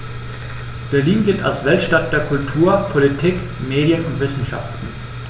Berlin gilt als Weltstadt der Kultur, Politik, Medien und Wissenschaften.